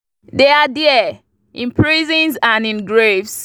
THEY ARE THERE: IN PRISONS AND IN GRAVES.